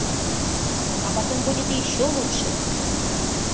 а потом будет еще лучше